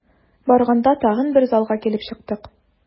Барганда тагын бер залга килеп чыктык.